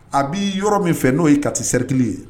A bi yɔrɔ min fɛ n'o ye Kati cercle ye